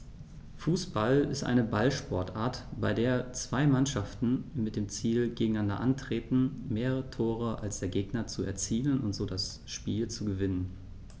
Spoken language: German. Fußball ist eine Ballsportart, bei der zwei Mannschaften mit dem Ziel gegeneinander antreten, mehr Tore als der Gegner zu erzielen und so das Spiel zu gewinnen.